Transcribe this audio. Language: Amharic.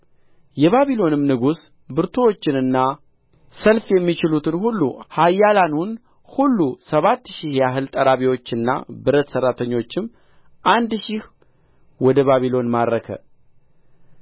የባቢሎንም ንጉሥ ብርቱዎቹንና ሰልፍ የሚችሉትን ሁሉ ኃያላኑን ሁሉ ሰባት ሺህ ያህል ጠራቢዎችና ብረት ሠራተኞችም አንድ ሺህ ወደ ባቢሎን ማረከ